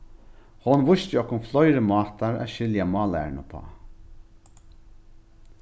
hon vísti okkum fleiri mátar at skilja mállæruna uppá